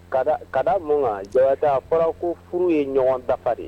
Ka ka da mankan ja' a fɔra ko furu ye ɲɔgɔn dafa de ye